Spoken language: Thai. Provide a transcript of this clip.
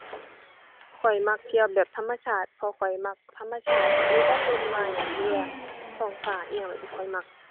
ข้อยมักเที่ยวแบบธรรมชาติ เพราะข้อยมักธรรมชาติ มีแต่ต้นไม้ หรือแบบท้องฟ้าอิหยังแบบนี้ ข้อยมัก